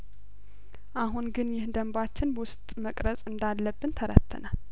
አሁን ግን ይህ ደንባችን ውስጥ መቅረጽ እንዳለብን ተረድተናል